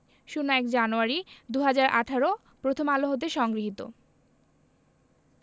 ০১ January ২০১৮ Prothom Alo হতে সংগৃহীত